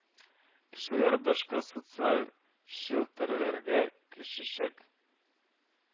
Кешеләр башка социаль челтәрләргә күчәчәк